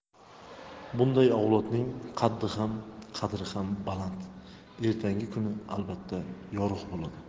bunday avlodning qaddi ham qadri ham baland ertangi kuni albatta yorug' bo'ladi